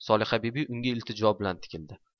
solihabibi unga iltijo bilan tikildi